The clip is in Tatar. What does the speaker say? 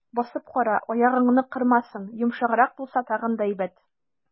Басып кара, аягыңны кырмасын, йомшаграк булса, тагын да әйбәт.